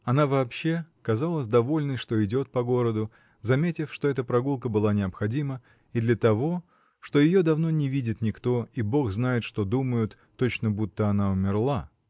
Она вообще казалась довольной, что идет по городу, заметив, что эта прогулка была необходима и для того, что ее давно не видит никто и Бог знает, что думают, точно будто она умерла.